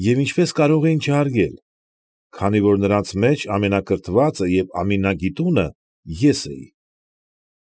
Եվ ինչպես կարող էին չհարգել, քանի որ նրանց մեջ ամենակրթվածը և ամենագիտունն ես էի։